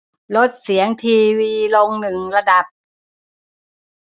ลดเสียงทีวีลงหนึ่งระดับ